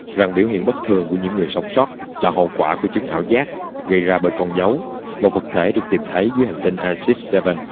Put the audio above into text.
rằng biểu hiện bất thường của những người sống sót là hậu quả của chứng ảo giác gây ra bởi con dấu một vật thể được tìm thấy dưới hành tinh aegis vii